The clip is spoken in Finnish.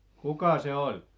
kuka se oli